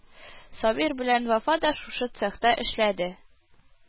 Сабир белән Вафа да шушы цехта эшләде